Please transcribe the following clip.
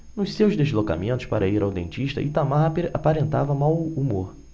nos seus deslocamentos para ir ao dentista itamar aparentava mau humor